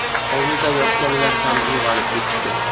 hovlida yotganlar ham uyg'onib ketishdi